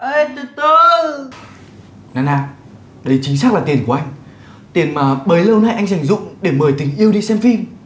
ây từ từ na na đấy chính xác là tiền của anh tiền mà bấy lâu nay anh dành dụm để mời tình yêu đi xem phim